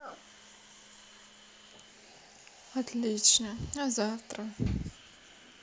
отлично а завтра